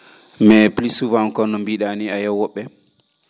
mais plus souvent ko no mbii?aa nii a yiyat wo??e